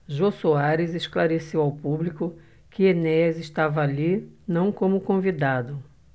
jô soares esclareceu ao público que enéas estava ali não como convidado